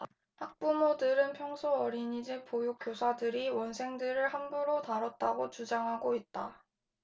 학부모들은 평소 어린이집 보육교사들이 원생들을 함부로 다뤘다고 주장하고 있다